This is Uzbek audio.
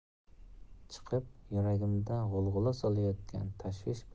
chiqib yuragimga g'ulg'ula solayotgan tashvish